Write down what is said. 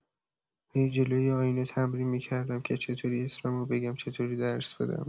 هی جلوی آینه تمرین می‌کردم که چطوری اسممو بگم، چطوری درس بدم.